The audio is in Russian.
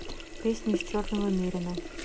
песня из черного мерина